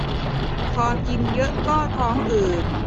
พอกินเยอะก็ท้องอืด